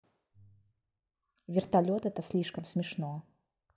вертолет это слишком смешно